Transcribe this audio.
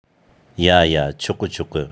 ཡ ཡ ཆོག གི ཆོག གི